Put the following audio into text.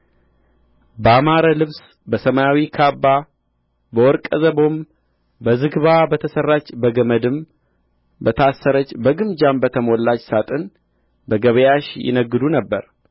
ባማረ ልብስ በሰማያዊ ካባ በወርቀ ዘቦም በዝግባ በተሠራች በገመድም በታሰረች በግምጃም በተሞላች ሳጥን በገበያሽ ይነግዱ ነበር